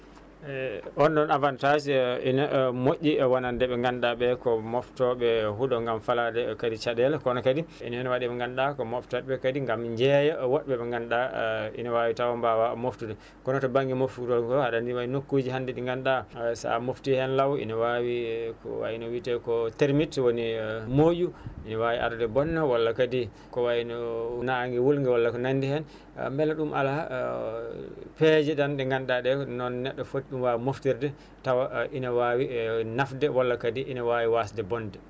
e on ɗon avantage ene moƴƴi e wonande ɓe ganduɗa ɓee ko moftoɓe huuɗo gaam falade kadi caɗele kono kadi ian heen ɓe ganduɗa ko moftoɓe kadi gaam jeeya woɗɓe ɓe ganduɗa ina wawi taw mbawa moftude kono to banŋnge moftugol ngol aɗa anndi waɗi nokkuji hannde ɗi ganduɗa sa mofti heen laaw ina wawi ko wayno wiite ko termite woni o mooƴu ne wawi arde bonna walla kadi ko wayno nange wulnge walla ko nanndi heen beele ɗum ala peeje tan ɗe ganduɗa ɗe ko noon neɗɗo foofti ɗum waaw moftirde tawa ina wawi nafde walla kadi ina wawi wasde bonde